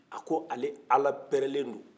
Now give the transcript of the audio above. a ko ale ala pɛrɛlen don